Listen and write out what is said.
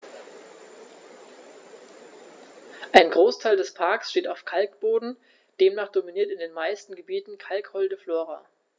Ein Großteil des Parks steht auf Kalkboden, demnach dominiert in den meisten Gebieten kalkholde Flora.